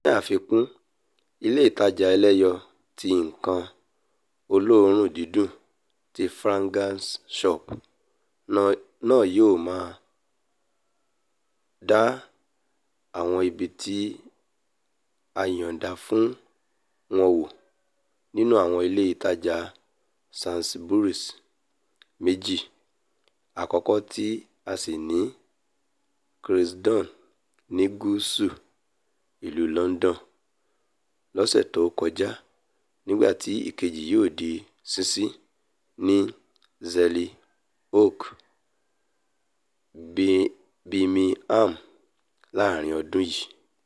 Ni àfikún, ilé ìtajà-ẹlẹ́yọ ti nǹkan olóòórùn-dídun ti Fragrance Shop náà yóò máa dán àwọn ibití a yọ̀ǹda fún wọn wò nínú àwọn ilé ìtajà Sainsbury's méjì, àkọ́kọ́ tí a sí ní Croydon, ní gúúsù ìlú Lọndọn, lọsẹ tó kọjá nígbà tí ikeji yo di sísí ní Selly Oak, Birmingham, láàrin ọ́dún yìí.